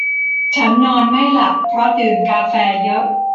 ฉันนอนไม่หลับเพราะดื่มกาแฟเยอะ